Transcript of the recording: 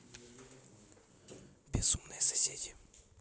безумные соседи